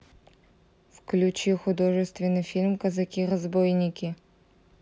включи художественный фильм казаки разбойники